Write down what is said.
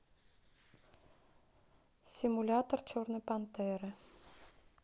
симулятор черной пантеры